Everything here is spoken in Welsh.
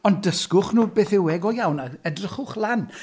Ond dysgwch nhw beth yw e go iawn a edrychwch lan.